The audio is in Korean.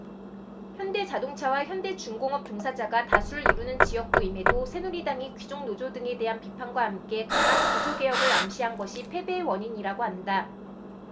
현대자동차와 현대중공업 종사자가 다수를 이루는 지역구임에도 새누리당이 귀족노조 등에 대한 비판과 함께 강한 구조개혁을 암시한 것이 패배의 원인이라고 한다